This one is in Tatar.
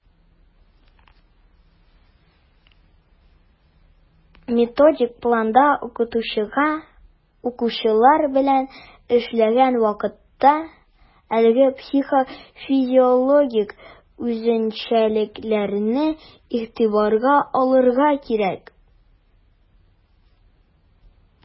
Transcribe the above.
Методик планда укытучыга, укучылар белән эшләгән вакытта, әлеге психофизиологик үзенчәлекләрне игътибарга алырга кирәк.